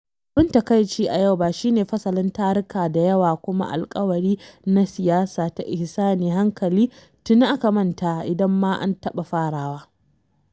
Abin takaici a yau, ba shi ne fasalin taruka da yawa kuma alkawari na siyasa ta “ihsani, hankali” tuni aka manta idan, ma, an taɓa farawa.